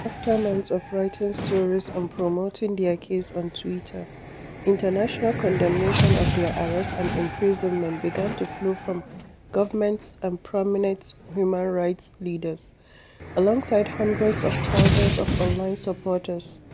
After months of writing stories and promoting their case on Twitter, international condemnation of their arrest and imprisonment began to flow from governments and prominent human rights leaders, alongside hundreds of thousands of online supporters.